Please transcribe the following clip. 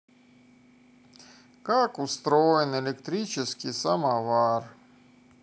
как устроен электрический самовар